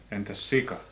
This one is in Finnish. entäs sika